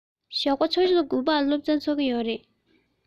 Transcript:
ཞོགས པ ཆུ ཚོད དགུ པར སློབ ཚན ཚུགས ཀྱི ཡོད རེད